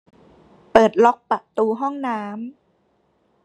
เปิดล็อกประตูห้องน้ำ